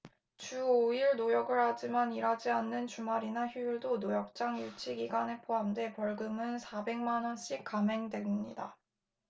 주 오 일 노역을 하지만 일하지 않는 주말이나 휴일도 노역장 유치 기간에 포함돼 벌금은 사백 만 원씩 감액됩니다